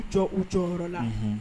U tɔ u jɔyɔrɔ la h